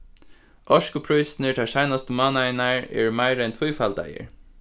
orkuprísirnir teir seinastu mánaðirnar eru meira enn tvífaldaðir